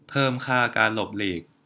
เพิ่มค่าการหลบหลีก